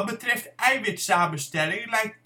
betreft eiwitsamenstelling lijkt